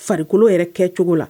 Farikolo yɛrɛ kɛ cogo la